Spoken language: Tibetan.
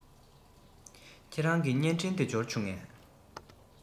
ཁྱེད རང གི བརྙན འཕྲིན དེ འབྱོར བྱུང ངས